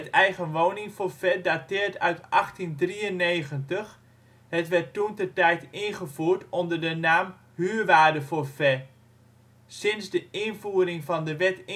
eigenwoningforfait ' dateert uit 1893, het werd toentertijd ingevoerd onder de naam: huurwaardeforfait. Sinds de invoering van de Wet